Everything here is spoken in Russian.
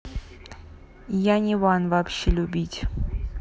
я не one вообще любить